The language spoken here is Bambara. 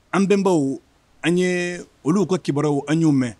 An bɛnbaw an ye olu ka kibaruyaraww an y'o mɛn